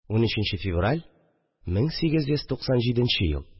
13 нче февраль, 1897 ел